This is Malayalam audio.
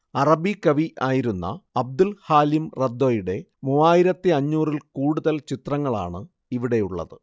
അറബികവി ആയിരുന്ന അബ്ദുൽ ഹാലിം റദ്വയുടെ മൂവായിരത്തിയഞ്ഞൂറിൽ കൂടുതൽ ചിത്രങ്ങളാണ് ഇവിടെയുള്ളത്